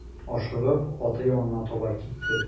Ашыгып аты янына таба китте.